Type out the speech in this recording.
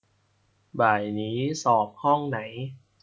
บ่ายนี้สอบห้องไหน